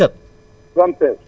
884